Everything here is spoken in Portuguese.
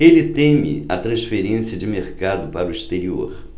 ele teme a transferência de mercado para o exterior